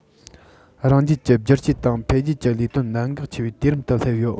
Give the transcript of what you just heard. རང རྒྱལ གྱི བསྒྱུར བཅོས དང འཕེལ རྒྱས ཀྱི ལས དོན གནད འགག ཆེ བའི དུས རིམ དུ སླེབས ཡོད